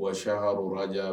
Wa saharja